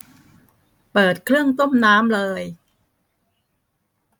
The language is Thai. เปิดเครื่องต้มน้ำเลย